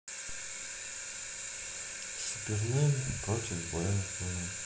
супермен против бэтмена